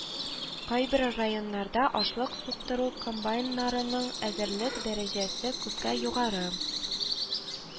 Кайбер районнарда ашлык суктыру комбайннарының әзерлек дәрәҗәсе күпкә югары